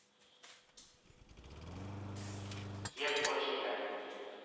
ԵՒ ոչ միայն։